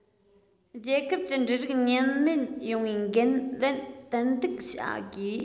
རྒྱལ ཁབ ཀྱི འབྲུ རིགས ཉེན མེད ཡོང བའི འགན ལེན ཏན ཏིག བྱ དགོས